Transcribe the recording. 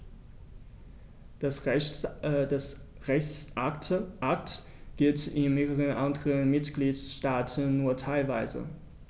Der Rechtsakt gilt in mehreren anderen Mitgliedstaaten nur teilweise.